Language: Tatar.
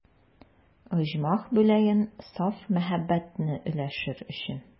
Оҗмах бүләген, саф мәхәббәтне өләшер өчен.